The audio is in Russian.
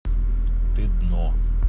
ты дно